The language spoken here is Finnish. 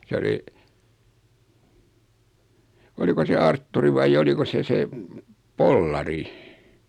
se oli oliko se Artturi vai oliko se se Pollari